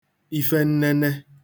ife nnene